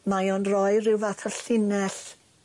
Mae o'n roi ryw fath o llinell.